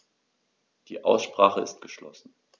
Die Aussprache ist geschlossen.